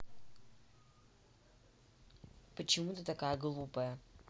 почему ты такая глупая